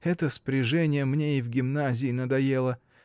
Это спряжение мне и в гимназии надоело.